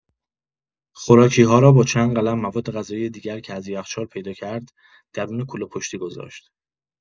خوراکی‌ها را با چند قلم موادغذایی دیگر که از یخچال پیدا کرد، درون کوله‌پشتی گذاشت.